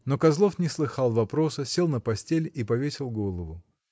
Но Козлов не слыхал вопроса, сел на постель и повесил голову.